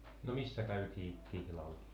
no missä käytiin kihlalla